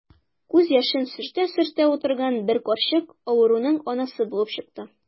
Күз яшен сөртә-сөртә утырган бер карчык авыруның анасы булып чыкты.